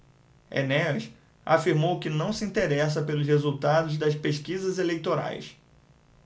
enéas afirmou que não se interessa pelos resultados das pesquisas eleitorais